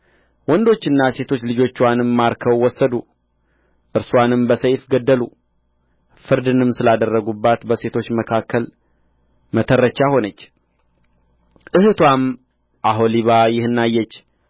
ወንዶችና ሴቶች ልጆችዋንም ማርከው ወሰዱ እርስዋንም በሰይፍ ገደሉ ፍርድንም ስላደረጉባት በሴቶች መካከል መተረቻ ሆነች እኅትዋም ኦሖሊባ ይህን አየች